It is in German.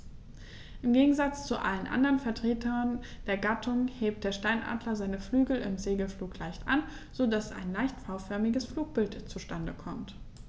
Im Gegensatz zu allen anderen Vertretern der Gattung hebt der Steinadler seine Flügel im Segelflug leicht an, so dass ein leicht V-förmiges Flugbild zustande kommt.